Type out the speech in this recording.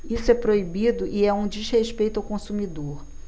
isso é proibido e é um desrespeito ao consumidor